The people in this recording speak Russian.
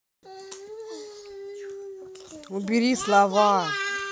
убери слова